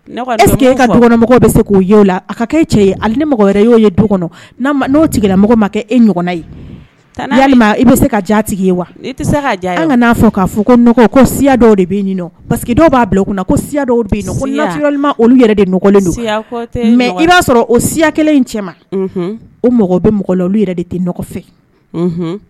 Ka bɛ se k'o la a ka e cɛ ye ale mɔgɔ y'o du kɔnɔ'o mɔgɔ ma kɛ e ɲɔgɔn i bɛ se ka ja ye wa kaa fɔ'a fɔ ko ko siya dɔw deseke dɔw b'a bila koya bɛ mɛ i b'a sɔrɔ o siya kelen cɛ o mɔgɔ bɛ mɔgɔ yɛrɛ de tɛ fɛ